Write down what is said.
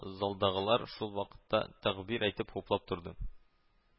Залдагылар шул вакытта тәкъбир әйтеп хуплап торды